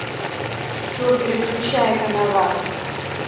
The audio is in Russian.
все переключает она вас